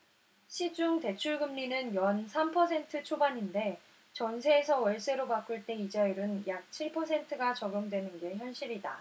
시중 대출금리는 연 삼 퍼센트 초반인데 전세에서 월세로 바꿀 때 이자율은 약 칠 퍼센트가 적용되는 게 현실이다